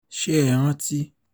Ṣé ẹ rántí?